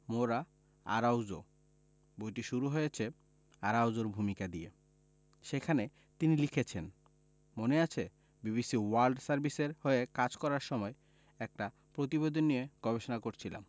মোরা আরাউজো বইটি শুরু হয়েছে আরাউজোর ভূমিকা দিয়ে সেখানে তিনি লিখেছেন মনে আছে বিবিসি ওয়ার্ল্ড সার্ভিসের হয়ে কাজ করার সময় একটা প্রতিবেদন নিয়ে গবেষণা করছিলাম